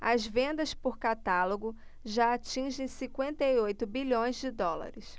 as vendas por catálogo já atingem cinquenta e oito bilhões de dólares